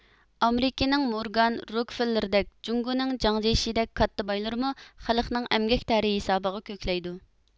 ئامېرىكىنىڭ مورگان روكفېللېردەك جۇڭگونىڭ جياڭجيېشىدەك كاتتا بايلىرىمۇ خەلقنىڭ ئەمگەك تەرى ھېسابىغا كۆكلەيدۇ